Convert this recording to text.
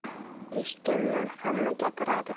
eshitganman hamma gapiradi